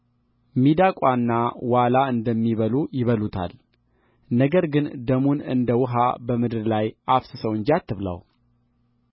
ሚዳቋና ዋላ እንደሚበሉ ይበሉታል ነገር ግን ደሙን እንደ ውኃ በምድር ላይ አፍስሰው እንጂ አትብላው